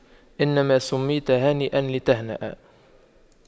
إنما سُمِّيتَ هانئاً لتهنأ